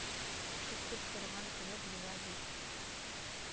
Көтеп торган кебек була дип